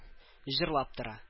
Җырлап тора